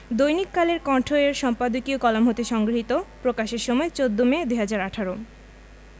দৈনিক কালের কণ্ঠ এর সম্পাদকীয় কলাম হতে সংগৃহীত প্রকাশের সময় ১৪ মে ২০১৮